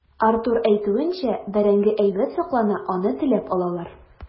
Артур әйтүенчә, бәрәңге әйбәт саклана, аны теләп алалар.